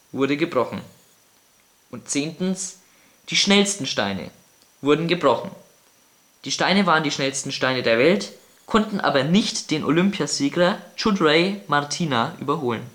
wurde gebrochen Die schnellsten Steine - wurde gebrochen (die Steine waren die schnellsten Steine der Welt, konnten aber nicht den Olympiasprinter Churandy Martina überholen